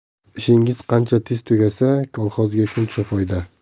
ishingiz qancha tez tugasa kolxozga shuncha foyda